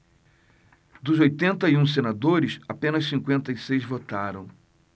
dos oitenta e um senadores apenas cinquenta e seis votaram